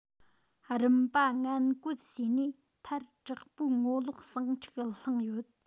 རིམ པ ངན བཀོད བྱས ནས མཐར དྲག པོའི ངོ ལོག ཟིང འཁྲུག བསླངས ཡོད